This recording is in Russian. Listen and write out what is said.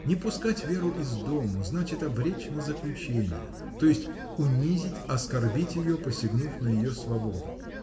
Не пускать Веру из дому — значит обречь на заключение, то есть унизить, оскорбить ее, посягнув на ее свободу.